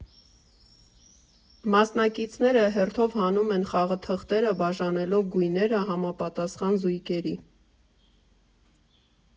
Մասնակիցները հերթով հանում են խաղաթղթերը՝ բաժանելով գույները համապատասխան զույգերի։